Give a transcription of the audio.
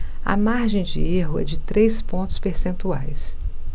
a margem de erro é de três pontos percentuais